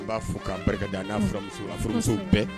I b'a fɔ'a barika da n'amuso amuso bɛɛ